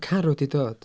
Carw 'di dod.